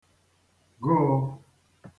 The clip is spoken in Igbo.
gụ̀ụ